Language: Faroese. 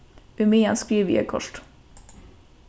ímeðan skrivi eg kortið